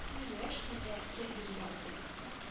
Күңеллерәк итәргә, ямь бирергә уйлый